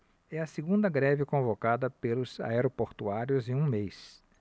é a segunda greve convocada pelos aeroportuários em um mês